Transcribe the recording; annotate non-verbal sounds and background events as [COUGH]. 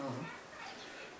[HESITATION] [HESITATION] [CROSSTALK]